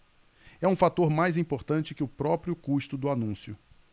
é um fator mais importante que o próprio custo do anúncio